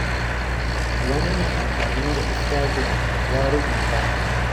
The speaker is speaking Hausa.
Wani mai amfani da instagram ya rubuta: